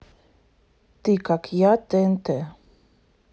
ты как я тнт